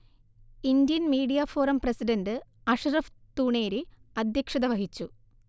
Indian media forum president Ashraf Thuneri അധ്യക്ഷത വഹിച്ചു